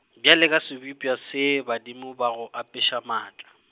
bjale ka sebopša se, badimo ba go apeša maatla.